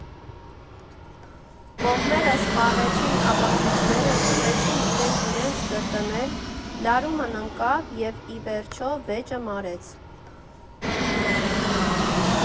Կողմերը սպառեցին ապացույցները, սկսեցին իրենք իրենց կրկնել, լարումն ընկավ և, ի վերջո, վեճը մարեց։